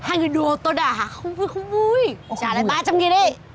hai người đùa tôi đó hả không vui không vui trả lại ba trăm nghìn đi